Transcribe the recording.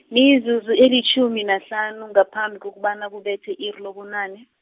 mizuzu elitjhumi nahlanu ngaphambi kokubana kubethe i-iri lobunane.